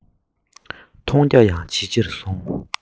མཐོང རྒྱ ཡང ཇེ ཆེར སོང